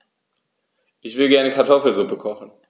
Ich will gerne Kartoffelsuppe kochen.